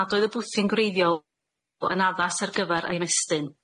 nad oedd y blwtin gwreiddiol yn addas ar gyfer ei mestyn.